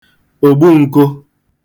ògbu n̄kụ̄